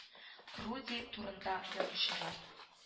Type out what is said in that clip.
— руди турында язучылар